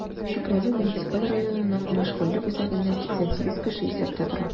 Чүпрәле муниципаль районының мәшгульлек үзәгендә 88 кеше исәптә тора.